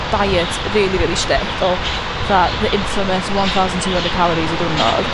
diet rili rili strict o 'tha the infamous one thousand two hundred calories y diwrnod.